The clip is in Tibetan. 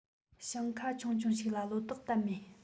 ཞིང ཁ ཆུང ཆུང ཞིག ལ ལོ ཏོག བཏབ མེད